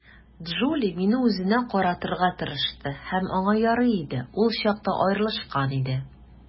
Джули мине үзенә каратырга тырышты, һәм аңа ярый иде - ул чакта аерылышкан иде.